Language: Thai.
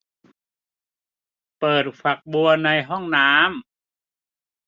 เปิดฝักบัวในห้องน้ำ